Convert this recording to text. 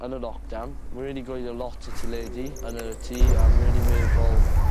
Yn y lockdown rili gwylio lot o teledu yn y tŷ a ma' wedi meddwl